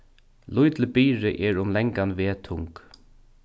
lítil byrði er um langan veg tung